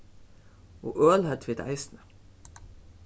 og øl høvdu vit eisini